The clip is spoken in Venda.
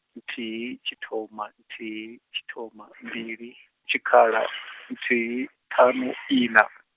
nthihi, tshithoma, nthihi, tshithoma, mbili, tshikhala, nthihi, ṱhanu ina.